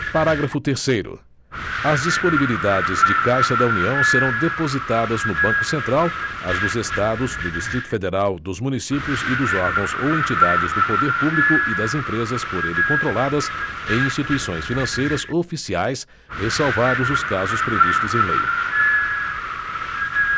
parágrafo terceiro as disponibilidades de caixa da união serão depositadas no banco central as dos estados do distrito federal dos municípios e dos órgãos ou entidades do poder público e das empresas por ele controladas em instituições financeiras oficiais ressalvados os casos previstos em lei